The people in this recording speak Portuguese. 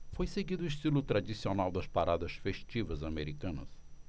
foi seguido o estilo tradicional das paradas festivas americanas